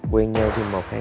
quy nhơn